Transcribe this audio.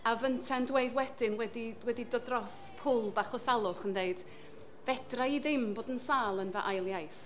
A fyntau yn dweud wedyn wedi wedi dod dros pwl bach o salwch yn deud, fedra i ddim fod yn sâl yn fy ail iaith.